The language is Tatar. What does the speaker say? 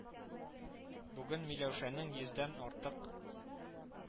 Бүген Миләүшәнең йөздән артык